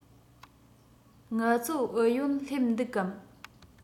ངལ རྩོལ ཨུ ཡོན སླེབས འདུག གམ